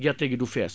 gerte gi du fees